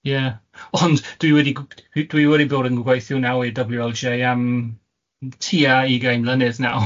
ie, ond dwi wedi gw- dwi wedi bod yn gwaithio nawr i double-you el jay am tua ugain mlynedd nawr.